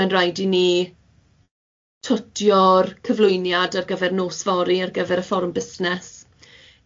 mae'n rhaid i ni twtio'r cyflwyniad ar gyfer nos fory ar gyfer y fforwm busnes.